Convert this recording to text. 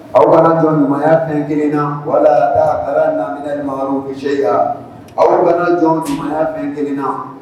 Aw' ɲumanya fɛnkelenna wala ala lammina ɲamakalakisɛseya aw' jɔ ɲumanya fɛn kelenna